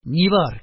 Ни бар?